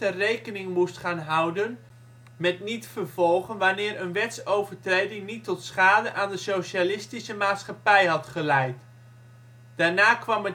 rekening moest gaan houden met niet vervolgen wanneer een wetsovertreding niet tot schade aan de socialistische maatschappij had geleid. Daarna kwam